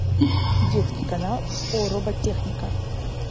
детский канал о робототехника